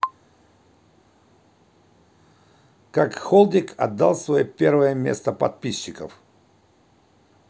как холдик отдал свое первое место подписчиков